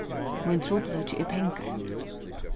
mín trupulleiki er pengar